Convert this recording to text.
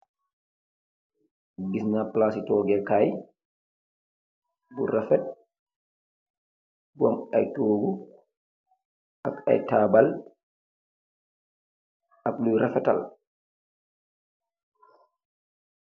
Gis na plaz si tooge kaay bu rafet bu am ay toogu ak ay taabal ak luy rafetal